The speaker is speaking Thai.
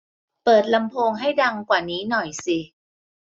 เปิดลำโพงให้ดังกว่านี้หน่อยสิ